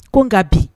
Ko ka bi